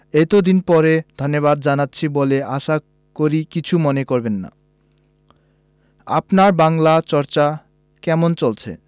এতদিন পরে ধন্যবাদ জানাচ্ছি বলে আশা করি কিছু মনে করবেন না আপনার বাংলা চর্চা কেমন চলছে